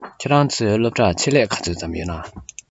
ཁྱོད རང ཚོའི སློབ གྲྭར ཆེད ལས ག ཚོད ཙམ ཡོད ན